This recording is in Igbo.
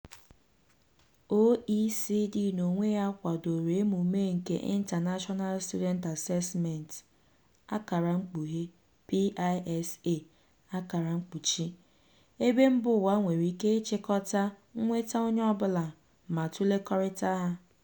OECD n'onwe ya kwadoro emume nke International Student Assessment (PISA) ebe mbaụwa nwere ike ịchịkọta mnweta onye ọbụla ma tụlerikota ha.